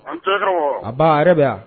A ba yɛrɛ bɛ yan